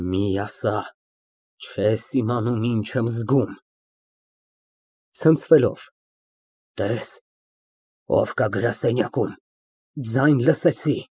Մի ասա, չես իմանում ինչ եմ զգում։ (Ցնցվելով) Տես, ով կա գրասենյակում, ձայն լսեցի։